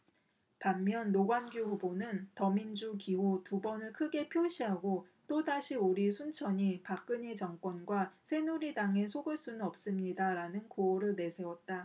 반면 노관규 후보는 더민주 기호 두 번을 크게 표시하고 또다시 우리 순천이 박근혜 정권과 새누리당에 속을 수는 없습니다라는 구호를 내세웠다